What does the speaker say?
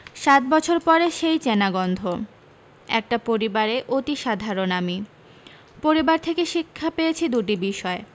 সাত বছর পরে সেই চেনা গন্ধ একটা পরিবারে অতি সাধারণ আমি পরিবার থেকে শিক্ষা পেয়েছি দুটি বিষয়